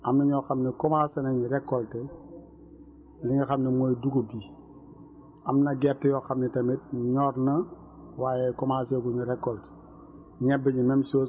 am na ñoo xam ne commencé nañ récolter li nga xam ne mooy dugub bi am na gerte yoo xam ne tamit ñor na waaye commencé guñu récolter ñebe gi même chose